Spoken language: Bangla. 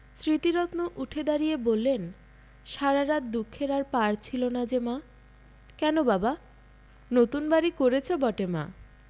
স্মৃতিরত্ন উঠে দাঁড়িয়ে বললেন সারা রাত দুঃখের আর পার ছিল না যে মা কেন বাবা নতুন বাড়ি করেচ বটে মা